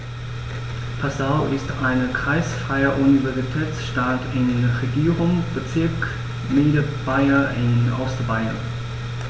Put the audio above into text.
Passau ist eine kreisfreie Universitätsstadt im Regierungsbezirk Niederbayern in Ostbayern.